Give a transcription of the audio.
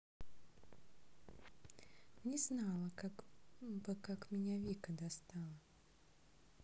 не знала как бы как меня вика достала